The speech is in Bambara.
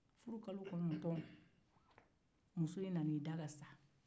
furu kalo kɔnɔtɔn muso in nana i da ka sa